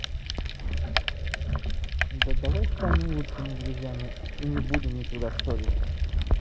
да давай станем лучшими друзьями и не будем никогда ссориться